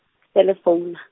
sele founa.